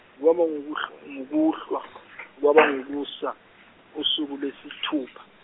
kwaba ngokukuhl- ngukuhlwa kwaba ngukusa usuku lwesithupha.